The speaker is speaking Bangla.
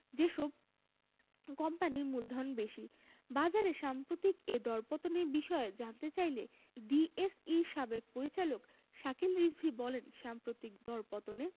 যেসব কোম্পানির মূলধন বেশি বাজারের সাম্প্রতিক এ দরপতনের বিষয়ে জানতে চাইলে ডিএসইর সাবেক পরিচালক শাকিল রিজভী বলেন সাম্প্রতিক দরপতনে